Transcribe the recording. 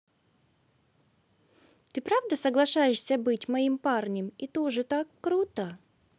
ты правда соглашаешься быть моим парнем и то же так круто